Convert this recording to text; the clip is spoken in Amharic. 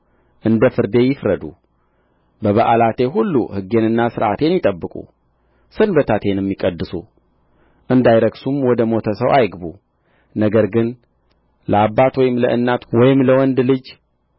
እንደ ፍርዴ ይፍረዱ በበዓላቴ ሁሉ ሕጌንና ሥርዓቴን ይጠብቁ ሰንበታቴንም ይቀድሱ እንዳይረክሱም ወደ ሞተ ሰው አይግቡ ነገር ግን ለአባት ወይም ለእናት ወይም ለወንድ ልጅ